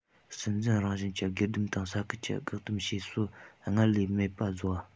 སྲིད འཛིན རང བཞིན གྱི སྒེར སྡེམ དང ས ཁུལ གྱི བཀག སྡོམ བྱེད སྲོལ སྔར ལས མེད པ བཟོ བ